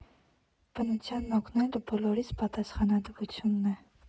Բնությանն օգնելը բոլորիս պատասխանատվությունն է։